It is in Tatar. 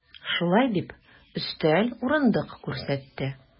Шулай дип, өстәл, урындык күрсәтте.